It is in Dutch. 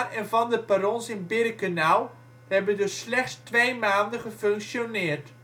en van de perrons in Birkenau hebben dus ' slechts ' twee maanden gefunctioneerd